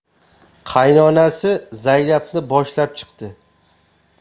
qaynonasi zaynabni boshlab chiqdi